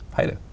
hei du.